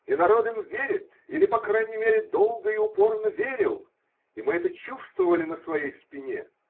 И народ им верит, или, по крайней мере, долго и упорно верил, и мы это чувствовали на своей спине.